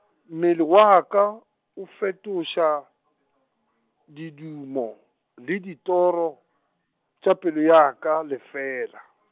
mmele wa ka, o fetoša , ditumo, le ditoro, tša pelo ya ka, lefela.